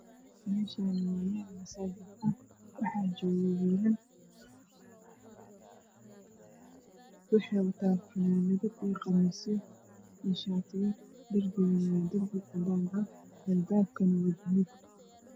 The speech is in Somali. Meeshaan waa masaajid waxaa joogo wiilal waxay wataan fanaanado qamiisyo iyo shaarar darbigana waa cadaan albaabkisu waa cadaan